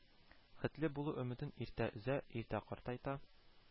Хетле булу өметен иртә өзә, иртә картайта